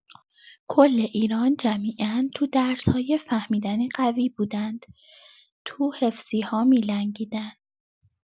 کل ایران جمیعا تو درس‌های فهمیدنی قوی بودن تو حفظی‌ها می‌لنگیدن.